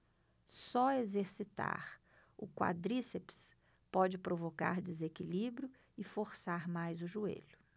só exercitar o quadríceps pode provocar desequilíbrio e forçar mais o joelho